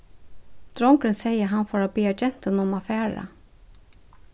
drongurin segði at hann fór at biðja gentuna um at fara